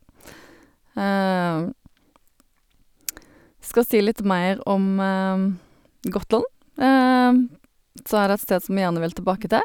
Skal si litt mer om Gotland, så er det et sted som jeg gjerne vil tilbake til.